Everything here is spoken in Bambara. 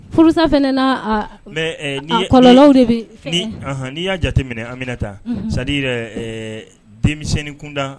Furusa kɔlɔnlaw de bɛ fini n'i y'a jateminɛ anmina taa sadi yɛrɛ denmisɛnnin kunda